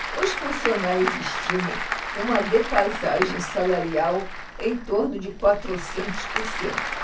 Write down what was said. os funcionários estimam uma defasagem salarial em torno de quatrocentos por cento